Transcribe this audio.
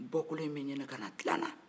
bɔkolo in bɛ ɲinin ka na tila an na